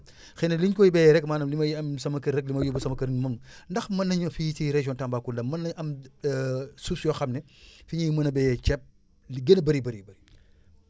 xëy na li ñu koy bayee rek maanaam li may am sama kër rek lu may yóbbu sama kër moom ndax mën nañu fi ci région Tambacounda mën nañu am suuf yoo xam ne fi ñuy mën a bayee ceeb li gën a bëri bëri